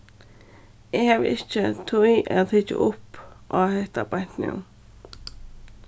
eg havi ikki tíð at hyggja upp á hetta beint nú